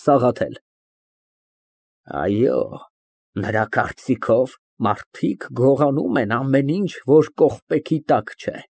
ՍԱՂԱԹԵԼ ֊ Այո, նրա կարծիքով, մարդիկ գողանում են ամեն ինչ, որ կողպեքի տակ չէ։